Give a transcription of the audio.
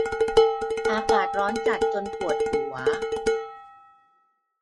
อากาศร้อนจัดจนปวดหัว